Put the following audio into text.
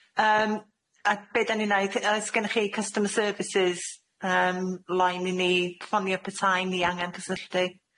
yym, a be' 'den ni'n neud, a oes gennych chi customer services yym line i ni ffonio petaem ni angen cysylltu?